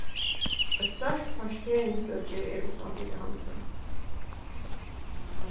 eitt stórt parkeringsøki er uttan fyri handilin